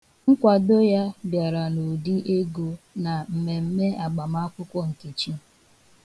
Nkwado ya bịara n'ụdị ego na mmemme agbamakwụkwọ Nkechi.